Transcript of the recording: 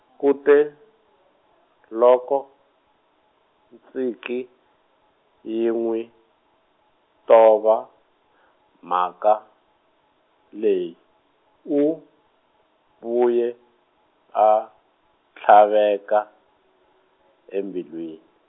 kute, loko, Tsinkie, yi n'wi, tova , mhaka, leyi, u vuye, a, tlhaveka, embilwini.